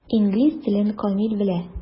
Инглиз телен камил белә.